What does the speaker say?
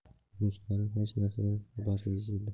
do'stlarim hech narsadan xabarsiz edi